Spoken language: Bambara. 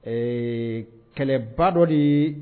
Ee kɛlɛba dɔ de